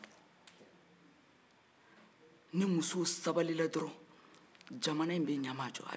ni muso sabalila dɔrɔn jamana in bɛ ɲɛmajɔ